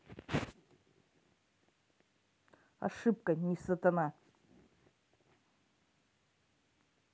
ошибка не сатана